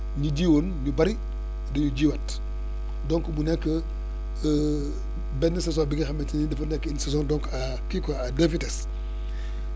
ñi jiwoon ñu bëri dañu jiwaat donc mu nekk benn saison bi nga xamante ni bi dafa nekk une saison donc à kii quoi à deux vitesse